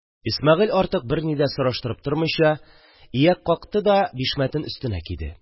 Исмәгыйль, артык берни дә сораштырып тормыйча, ияк какты да, бишмәтен өстенә киде.